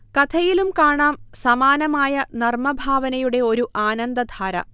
കഥയിലും കാണാം സമാനമായ നർമഭാവനയുടെ ഒരു ആനന്ദധാര